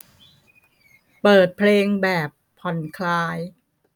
เปิดเพลงแบบผ่อนคลาย